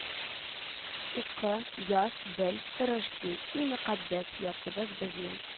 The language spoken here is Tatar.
Укы, яз, бел, тырыш син, и мөкаддәс яртыбыз безнең